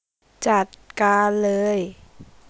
จัดการเลย